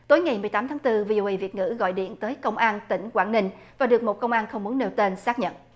tối ngày mười tám tháng tư vi ô ây việt ngữ gọi điện tới công an tỉnh quảng ninh và được một công an không muốn nêu tên xác nhận